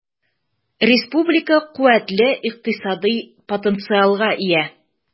Республика куәтле икътисади потенциалга ия.